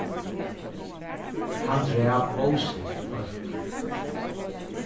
hann drap ósek fólk